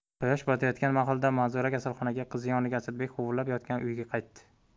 quyosh botayotgan mahalda manzura kasalxonaga qizi yoniga asadbek huvillab yotgan uyiga qaytdi